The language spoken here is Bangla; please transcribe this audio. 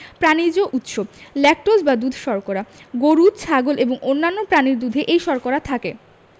প্রানিজ উৎস ল্যাকটোজ বা দুধ শর্করা গরু ছাগল এবং অন্যান্য প্রাণীর দুধে এই শর্করা থাকে